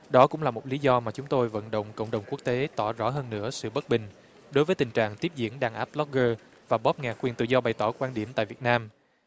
đó cũng là một lý do mà chúng tôi vận động cộng đồng quốc tế tỏ rõ hơn nữa sự bất bình đối với tình trạng tiếp diễn đàn áp bờ lốc gơ và bóp nghẹt quyền tự do bày tỏ quan điểm tại việt nam